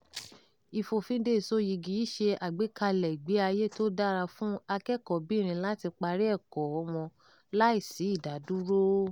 Ìfòfinde ìsoyìgì yìí ṣe àgbékalẹ̀ ìgbé ayé tó dára fún akẹ́kọ̀ọ́bìnrin láti parí ẹ̀kọ́ọ wọn láì sí ìdádúró.